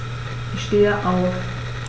Ich stehe auf.